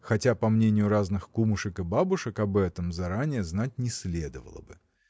хотя по мнению разных кумушек и бабушек об этом заранее знать не следовало бы.